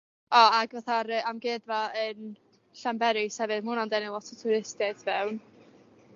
o ag fatha'r amgueddfa yn Llanberis hefyd ma' hwnna'n denu lot o twristiaeth fewn.